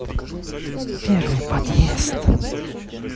первый подъезд